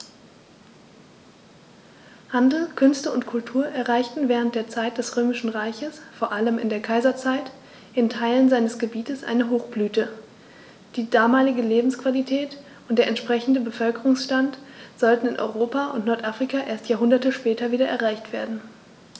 Handel, Künste und Kultur erreichten während der Zeit des Römischen Reiches, vor allem in der Kaiserzeit, in Teilen seines Gebietes eine Hochblüte, die damalige Lebensqualität und der entsprechende Bevölkerungsstand sollten in Europa und Nordafrika erst Jahrhunderte später wieder erreicht werden.